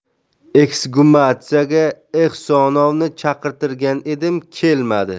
eksgumatsiyaga ehsonovni chaqirtirgan edim kelmadi